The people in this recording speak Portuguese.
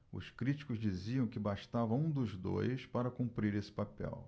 os críticos diziam que bastava um dos dois para cumprir esse papel